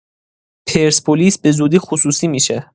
پرسپولیس به‌زودی خصوصی می‌شه.